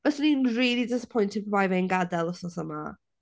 Byswn i'n rili disappointed pe bai fe'n gadael wythnos yma.